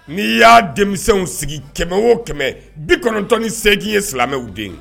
N'i y'a denmisɛnw sigi 100 o 100, 98 ye silamɛw denw.